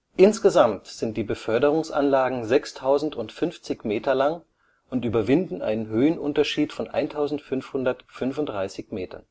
Insgesamt sind die Beförderungsanlagen 6050 Meter lang und überwinden einen Höhenunterschied von 1535 m